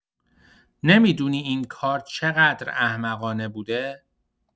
نمی‌دونی این کار چقدر احمقانه بوده؟